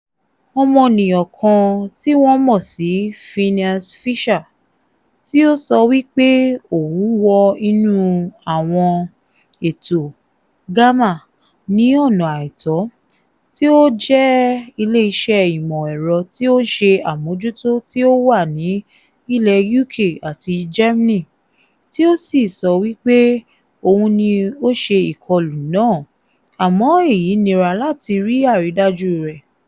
Ọmọnìyàn kan tí wọ́n mọ̀ sí "Phineas Fisher", tí ó sọ wí pé òun wọ inú àwọn ètò Gamma ní ọ̀nà àìtọ́, tí ó jẹ́ ilé iṣẹ́ ìmọ̀ ẹ̀rọ tí ó ń ṣe àmójútó tí ó wà ní ilẹ̀ UK àti Germany, tí ó sì sọ wí pé òun ni ó ṣe ìkọlù náà, àmọ́ èyí nira láti rí àrídájú rẹ̀.